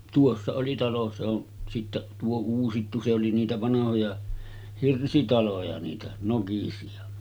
tuossa oli talo se on sitten tuo uusittu se oli niitä vanhoja hirsitaloja niitä nokisia